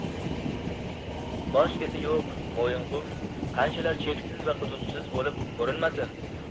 bosh keti yo'q mo'yinqum qanchalar cheksiz va hududsiz bo'lib ko'rinmasin